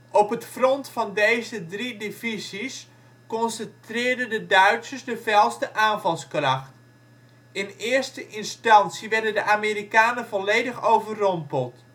Op het front van deze drie divisies concentreerden de Duitsers de felste aanvalskracht. In eerste instantie werden de Amerikanen volledig overrompeld